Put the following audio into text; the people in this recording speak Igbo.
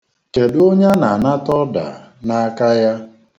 Kedu onye a na-anata ōda n'aka ya?